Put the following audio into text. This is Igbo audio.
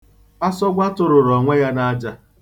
Asọgwa tụrụrụ onwe ya n'aja.